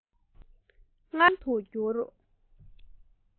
སྔར ལས དགའ ལྷང ལྷང གྱུར